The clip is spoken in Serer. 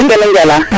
no ke nu njala